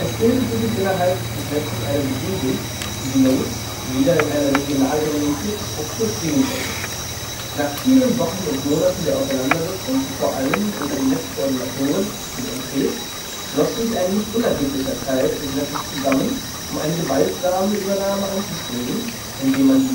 bildete sich innerhalb des Netzes eine Bewegung, die die Nodes wieder in eine regional orientierte Struktur zwingen wollte. Nach vielen Wochen und Monaten der Auseinandersetzung vor allem unter den Netzkoordinatoren (NCs) schloss sich ein nicht unerheblicher Teil des Netzes zusammen, um eine " gewaltsame " Übernahme anzustreben, indem man die